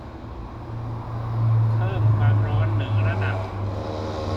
เพิ่มความร้อนหนึ่งระดับ